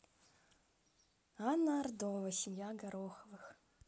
анна ардова семья гороховых